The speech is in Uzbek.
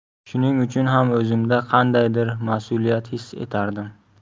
shuning uchun ham o'zimda qandaydir mas'uliyat his etardim